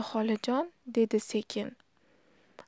xolajon dedi sekin